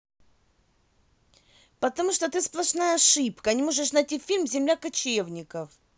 потому что ты сплошная ошибка не можешь найти фильм земля кочевников